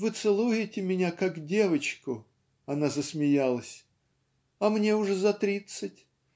"Вы целуете меня, как девочку (она засмеялась), а мне уже за тридцать.